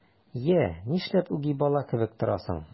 Йә, нишләп үги бала кебек торасың?